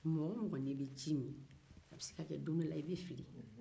mɔgɔ o mɔgɔ n'i bɛ ji min a bɛ se ka kɛ don dɔ i bɛ fili